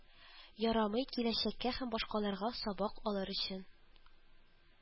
Ярамый, киләчәккә һәм башкаларга сабак алыр өчен